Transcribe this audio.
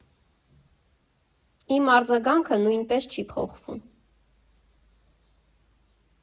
Իմ արձագանքը նույնպես չի փոխվում.